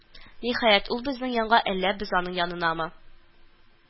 Ниһаять, ул безнең янга әллә без аның янынамы